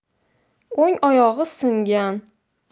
o'ng oyog'i singan